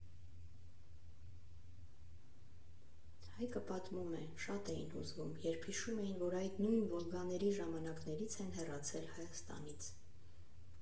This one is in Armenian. Հայկը պատմում է՝ շատ էին հուզվում, երբ հիշում էին, որ այդ նույն Վոլգաների ժամանակներից են հեռացել Հայաստանից…